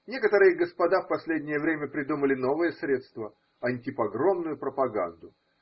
Некоторые господа в последнее время придумали новое средство – антипогромную пропаганду.